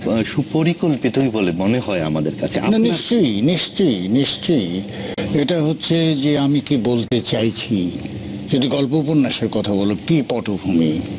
সুপরিকল্পিতই বলে মনে হয় আমাদের কাছে না নিশ্চয়ই নিশ্চয়ই নিশ্চয়ই এটা হচ্ছে যে আমি কি বলতে চাইছি যদি গল্প উপন্যাসের কথা বল কি পটভূমি